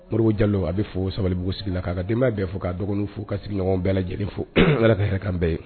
Moriɔri jalo a bɛ fo sabali bbugu sigi la k'a denbaya bɛɛ fɔ k kaa dɔgɔnini fo ka sigiɲɔgɔn bɛɛ lajɛlen fo ala tɛ hakɛ kabɛn ye